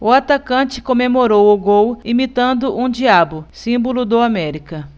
o atacante comemorou o gol imitando um diabo símbolo do américa